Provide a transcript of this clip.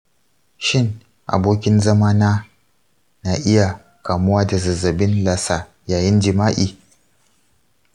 shin abokin zamana na iya kamuwa da zazzabin lassa yayin jima’i?